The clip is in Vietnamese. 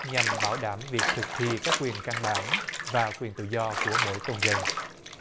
nhằm bảo đảm việc thực thi các quyền căn bản và quyền tự do của mỗi công dân